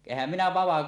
enhän minä -